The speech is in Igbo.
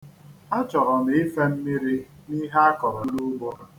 Achọrọ m ife mmiri n'ihe a kọrọ n'ugbo.